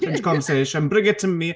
Change the conversation, bring it to me.